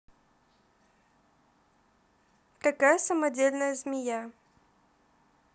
какая самодельная змея